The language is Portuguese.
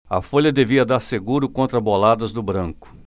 a folha devia dar seguro contra boladas do branco